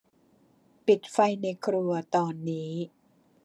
ปิดไฟในครัวตอนนี้